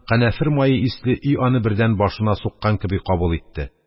Канәфер мае исле өй аны бердән башына суккан кеби кабул итте.